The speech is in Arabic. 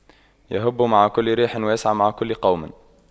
يَهُبُّ مع كل ريح ويسعى مع كل قوم